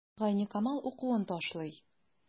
Гайникамал укуын ташлый.